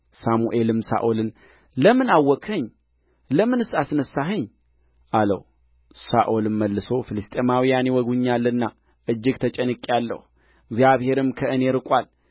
ሳሙኤልም ሳኦልን ለምን አወክኸኝ ለምንስ አስነሣኸኝ አለው ሳኦልም መልሶ ፍልስጥኤማውያን ይወጉኛልና እጅግ ተጨንቄአለሁ እግዚአብሔርም ከእኔ ርቆአል